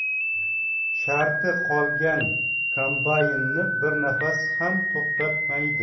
sharti qolgan kombaynni bir nafas ham to'xtatmaydi